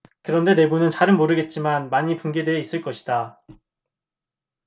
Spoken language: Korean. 그런데 내부는 잘은 모르겠지만 많이 붕괴돼 있을 것이다